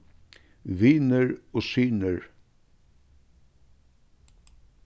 vinir og synir